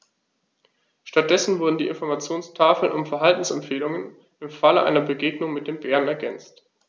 Stattdessen wurden die Informationstafeln um Verhaltensempfehlungen im Falle einer Begegnung mit dem Bären ergänzt.